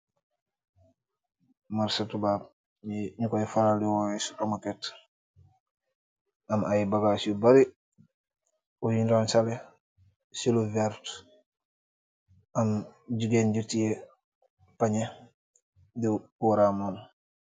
Marrche tubab nji, nju koi faral di woryeh supermarket, amm aiiy bagass yu bari bungh nju raanzaleh ci lu vert, am gigain ju tiyeh paanjeh di wohrah mom.